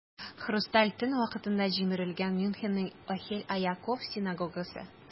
"хрусталь төн" вакытында җимерелгән мюнхенның "охель яаков" синагогасы.